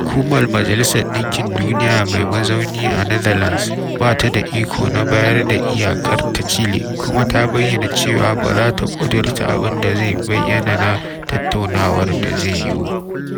Hukumar Majalisar Ɗinkin Duniyar mai mazauni a Netherlands ba ta da iko na bayar da iyakar ta Chile, kuma ta bayyana cewa ba za ta ƙudurta abin da zai bayyana na tattaunawar da za yiwu.